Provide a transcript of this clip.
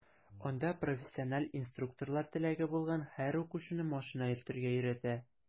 Анда профессиональ инструкторлар теләге булган һәр укучыны машина йөртергә өйрәтә.